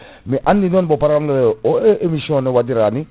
mi andi noon bo pa* o émission no waɗirani